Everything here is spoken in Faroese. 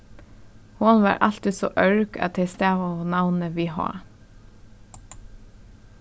hon var altíð so ørg at tey stavaðu navnið við h